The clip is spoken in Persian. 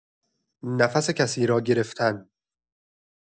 نفس کسی را گرفتن